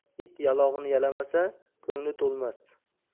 it yalog'ini yalamasa ko'ngli to'lmas